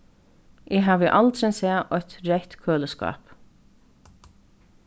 eg havi aldrin sæð eitt reytt køliskáp